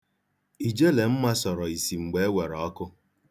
Ijelemma sọrọ isi mgbe e were ọkụ.